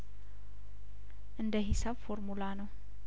እንደ ሂሳብ ፎርሙላ ነው